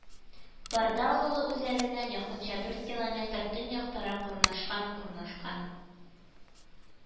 Барда авылы үзәгеннән якынча дүрт километр төньяктарак урнашкан урнашкан